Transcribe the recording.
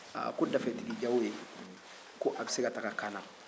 ha ko dafetigi jawoyi ko a bɛ se ka taa kaana